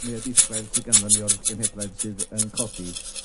###mwya ddisglair sy ganddo ni o'r genhedlaeth sydd yn codi,